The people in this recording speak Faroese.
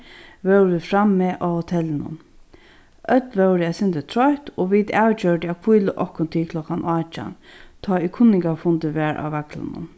vóru vit frammi á hotellinum øll vóru eitt sindur troytt og vit avgjørdu at hvíla okkum til klokkan átjan tá ið kunningarfundur var á vaglinum